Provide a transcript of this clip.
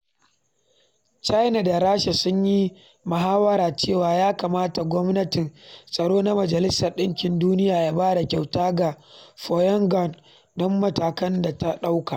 China da Rasha sun yi mahawara cewa ya kamata Kwamitin Tsaro na Majalisar Ɗinkin Duniya ya ba da kyauta ga Pyongyang don matakan da ta ɗauka.